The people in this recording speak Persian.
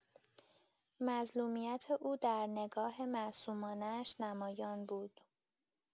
مظلومیت او در نگاه معصومانه‌اش نمایان بود.